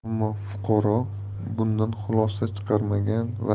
ammo fuqaro bundan xulosa chiqarmagan va